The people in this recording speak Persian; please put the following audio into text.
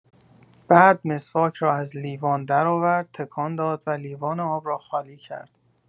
بعد مسواک را از لیوان درآورد، تکان داد و لیوان آب را خالی کرد.